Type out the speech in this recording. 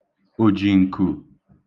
òjìǹkù